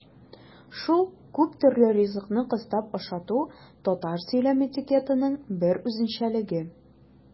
Шул күптөрле ризыкны кыстап ашату татар сөйләм этикетының бер үзенчәлеге.